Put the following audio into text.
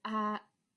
a